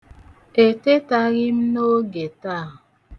Etetaghị m n'oge taa.